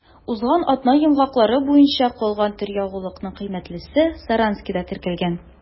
Узган атна йомгаклары буенча калган төр ягулыкның кыйммәтлесе Саранскида теркәлгән.